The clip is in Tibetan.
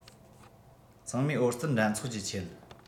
ཚང མས ཨོ རྩལ འགྲན ཚོགས ཀྱི ཆེད